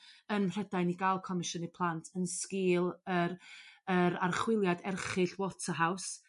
ym Mhrydain i gal comisiyny plant yn sgil yr yr archwiliad erchyll Waterhouse.